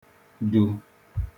dū